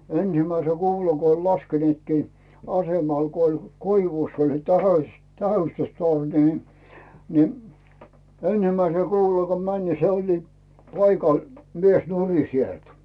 ensimmäisen kuulan kun oli laskeneetkin asemalla kun oli koivussa oli se - tähystystorni niin niin ensimmäisellä kuulalla kun meni niin se oli paikalla mies nurin sieltä